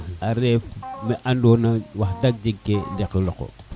a ref me andona wax deg jeg ke lok loko